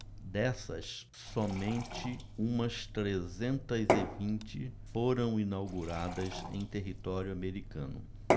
dessas somente umas trezentas e vinte foram inauguradas em território americano